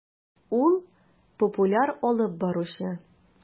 Ул - популяр алып баручы.